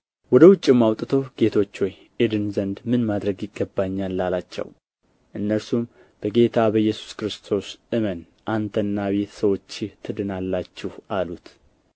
ወደ ውጭም አውጥቶ ጌቶች ሆይ እድን ዘንድ ምን ማድረግ ይገባኛል ኣላቸው እነርሱም በጌታ በኢየሱስ ክርስቶስ እመን አንተና ቤተ ሰዎችህ ትድናላችሁ አሉት